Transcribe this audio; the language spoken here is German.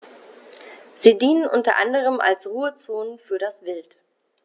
Sie dienen unter anderem als Ruhezonen für das Wild.